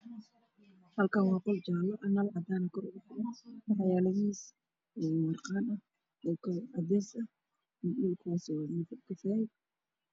Halkaan waxaa ka muuqdo xarqaan cagaar xigeen ah